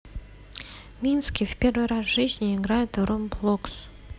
minski в первый раз в жизни играют в roblox